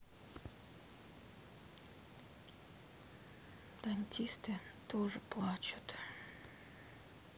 дантисты тоже плачут